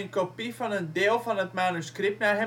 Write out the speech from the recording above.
kopie van een deel van het manuscript naar